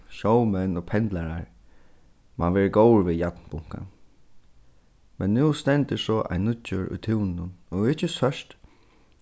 sjómenn og pendlarar mann verður góður við jarnbunkan men nú stendur so ein nýggjur í túninum og ikki sørt